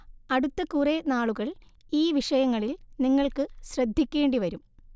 അടുത്തകുറെ നാളുകൾ ഈ വിഷയങ്ങളിൽ നിങ്ങൾക്ക് ശ്രദ്ധിക്കേണ്ടി വരും